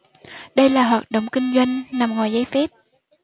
đây là hoạt động kinh doanh nằm ngoài giấy phép